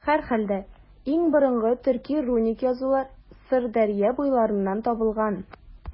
Һәрхәлдә, иң борынгы төрки руник язулар Сырдәрья буйларыннан табылган.